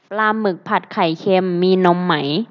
ปลาหมึกผัดไข่เค็มมีนมไหม